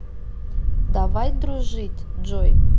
давай дружить джой